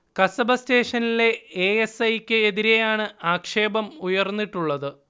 കസബ സ്റ്റേഷനിലെ A. S. I. ക്ക് എതിരെയാണ് ആക്ഷേപം ഉയർന്നിട്ടുള്ളത്